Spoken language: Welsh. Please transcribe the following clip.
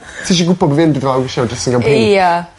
tisio gwbo bo' fi yn dod lawr grisia mewn dressing gown pinc? Ia.